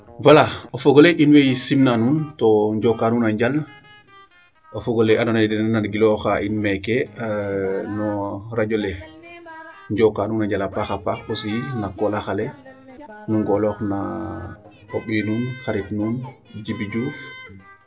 Voila o fog ole in wey simnaa nuun to njokaa nuun a njal o fog ole andoona yee den a nangilooxa in meeke no radio le njokaa nuun a njal a paaxa paax na koolax ale nu ngoolax na o ɓiy nuun xariit nuun Djiby Diouf.